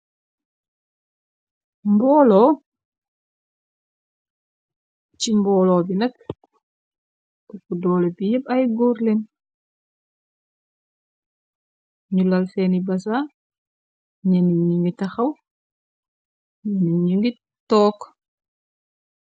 mboolo ci mboolo bi nag upu doole bi yépp ay gorlin ñu lal seeni basa ñennu ñi ngi taxaw ñennu ñi ngi tokk